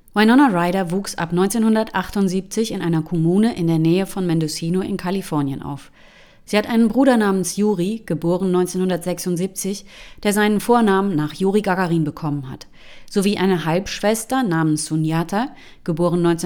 Winona Ryder wuchs ab 1978 in einer Kommune in der Nähe von Mendocino in Kalifornien auf. Sie hat einen Bruder namens Yuri (* 1976), der seinen Vornamen nach Juri Gagarin bekommen hat, sowie eine Halbschwester namens Sunyata (*